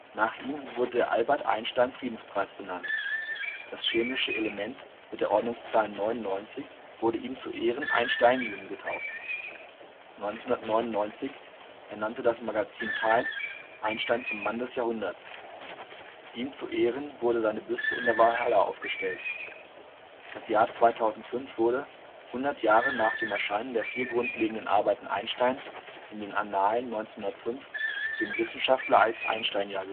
Nach ihm wurde der Albert-Einstein-Friedenspreis benannt. Das chemische Element mit der Ordnungszahl 99 wurde ihm zu Ehren Einsteinium getauft. 1999 ernannte das Magazin Time Einstein zum Mann des Jahrhunderts. Ihm zu Ehren wurde seine Büste in der Walhalla aufgestellt. Das Jahr 2005 wurde, 100 Jahre nach dem Erscheinen der vier grundlegenden Arbeiten Einsteins in „ den Annalen “1905, dem Wissenschaftler als Einsteinjahr